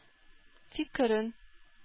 Фикерен